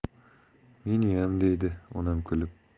meniyam deydi onam kulib